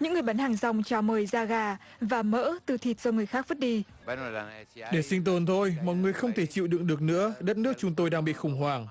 những người bán hàng rong chào mời da gà và mỡ từ thịt cho người khác vứt đi để sinh tồn thôi một người không thể chịu đựng được nữa đất nước chúng tôi đang bị khủng hoảng